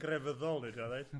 Grefyddol, .